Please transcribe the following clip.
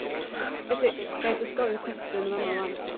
Felly, gai jyst gofyn cwestiwn yn fama 'wan?